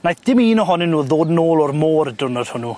Naeth dim un ohonyn n'w ddod nôl o'r môr y dwrnod hwnnw.